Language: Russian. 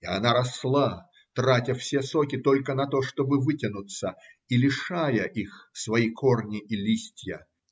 И она росла, тратя все соки только на то, чтобы вытянуться, и лишая их свои корни и листья.